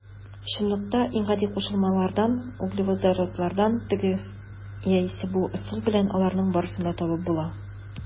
Чынлыкта иң гади кушылмалардан - углеводородлардан теге яисә бу ысул белән аларның барысын да табып була.